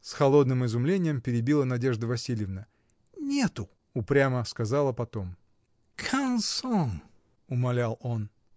— с холодным изумлением перебила Надежда Васильевна. — Нету! — упрямо сказала потом. — умолял он.